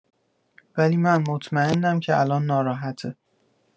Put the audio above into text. ولی من مطمئنم که الان ناراحته